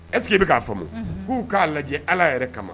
Ɛseke i bɛ k'a fama k'u k'a lajɛ ala yɛrɛ kama